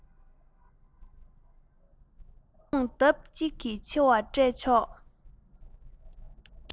གོང ལྡབ གཅིག གིས ཆེ བ སྤྲད ཆོག